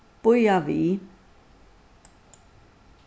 bíða við